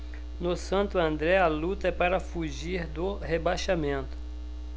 no santo andré a luta é para fugir do rebaixamento